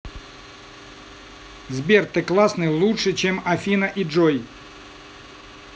сбер ты классный лучше чем афина и джой